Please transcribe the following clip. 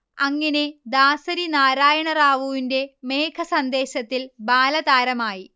അങ്ങിനെ ദാസരി നാരായണ റാവുവിന്റെ മേഘസന്ദേശത്തിൽ ബാലതാരമായി